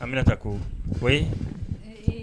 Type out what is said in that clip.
A bɛna taa ko ko yen